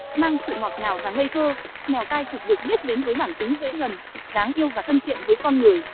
mang sự ngọt ngào và ngây thơ mèo tai cụp được biết đến với bản tính dễ gần đáng yêu và thân thiện với con người